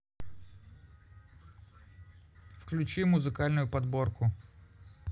включи музыкальную подборку